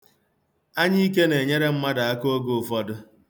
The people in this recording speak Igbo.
Anyiike na-enyere mmadụ aka oge ụfọdụ.